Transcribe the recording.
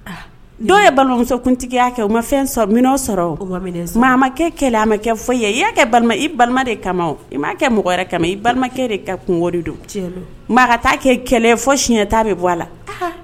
Dɔw ye balimamusokuntigiya kɛ o ma fɛn sɔrɔ min sɔrɔkɛ kɛlɛ a kɛ fɔ i i balima de kama ma kɛ mɔgɔ wɛrɛ kama i balimakɛ de ka kunɔri don mɔgɔ kɛ kɛlɛ fɔ siɲɛ' bɛ bɔ a la